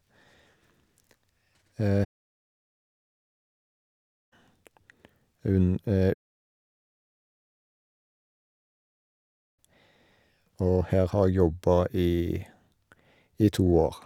un Og her har jeg jobba i i to år.